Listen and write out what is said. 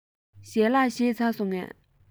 ཞལ ལག ཁ ལག མཆོད བཞེས ཚར སོང ངས